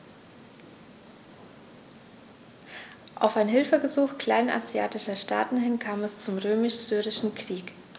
Auf ein Hilfegesuch kleinasiatischer Staaten hin kam es zum Römisch-Syrischen Krieg.